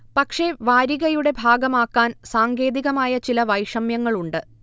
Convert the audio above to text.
പക്ഷെ വാരികയുടെ ഭാഗമാക്കാൻ സാങ്കേതികമായ ചില വൈഷമ്യങ്ങളുണ്ട്